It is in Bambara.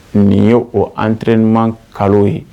Nin ye o entraînement kalo ye.